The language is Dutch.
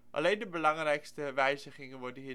Alleen de belangrijkste wijzigingen worden